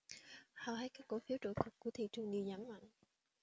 hầu hết các cổ phiếu trụ cột của thị trường đều giảm mạnh